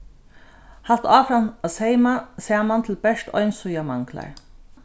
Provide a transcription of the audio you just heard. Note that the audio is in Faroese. halt áfram at seyma saman til bert ein síða manglar